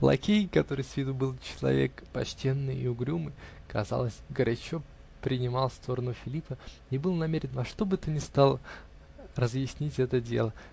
Лакей, который с виду был человек почтенный и угрюмый, казалось, горячо принимал сторону Филиппа и был намерен во что бы то ни стало разъяснить это дело.